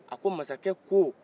a ko masakɛ ko